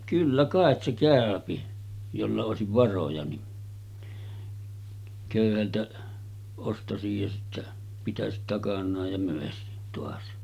kyllä kai se käy jolla olisi varoja niin köyhältä ostaisi ja sitten pitäisi takanaan ja myisi taas